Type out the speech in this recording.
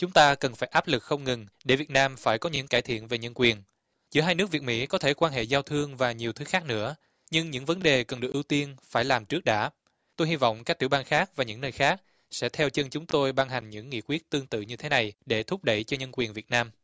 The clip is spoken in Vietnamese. chúng ta cần phải áp lực không ngừng để việt nam phải có những cải thiện về nhân quyền giữa hai nước việt mỹ có thể quan hệ giao thương và nhiều thứ khác nữa nhưng những vấn đề cần được ưu tiên phải làm trước đã tôi hy vọng các tiểu bang khác và những nơi khác sẽ theo chân chúng tôi ban hành những nghị quyết tương tự như thế này để thúc đẩy cho nhân quyền việt nam